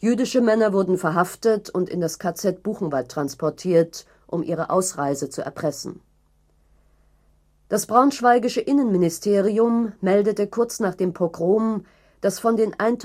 Jüdische Männer wurden verhaftet und in das KZ Buchenwald transportiert, um ihre Ausreise zu erpressen. Das Braunschweigische Innenministerium meldete kurz nach dem Pogrom, dass von den 1.500